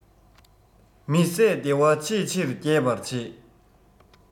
མི ཟད བདེ བ ཆེས ཆེར རྒྱས པར བྱེད